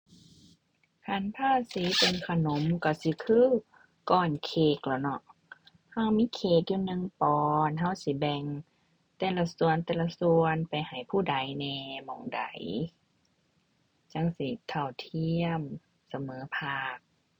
คันภาษีเป็นขนมก็สิคือก้อนเค้กแหล้วเนาะ ก็มีเค้กอยู่หนึ่งปอนด์ ก็สิแบ่งแต่ละส่วนแต่ละส่วนไปให้ผู้ใดแหน่ หม้องใด จั่งสิเท่าเทียมเสมอภาค